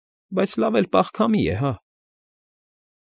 Բու֊ու֊ո՜ւ։Բայց լավ էլ պաղ քամի է, հա՜։